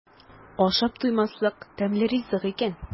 Ашап туймаслык тәмле ризык икән.